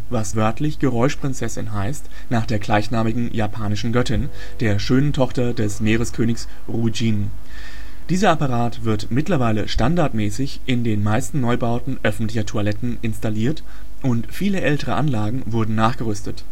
Geräuschprinzessin “heißt, nach der gleichnamigen japanischen Göttin (der Name der Göttin wird eigentlich mit den Kanji 乙姫 geschrieben), der schönen Tochter des Meereskönigs Ryūjin. Dieser Apparat wird mittlerweile standardmäßig in die meisten Neubauten öffentlicher Toiletten installiert, und viele ältere Anlagen wurden nachgerüstet